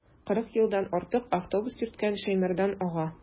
Кырык елдан артык автобус йөрткән Шәймәрдан ага.